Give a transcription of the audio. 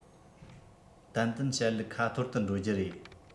ཏན ཏན བྱ ཡུལ ཁ ཐོར དུ འགྲོ རྒྱུ རེད